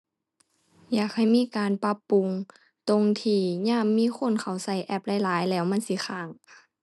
อยากให้มีการปรับปรุงตรงที่ยามมีคนเข้าใช้แอปหลายหลายแล้วมันสิค้าง